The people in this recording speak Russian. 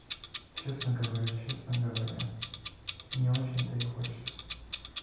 честно говорю честно говоря не очень то и хочется